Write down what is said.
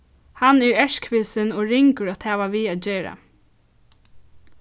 hann er erkvisin og ringur at hava við at gera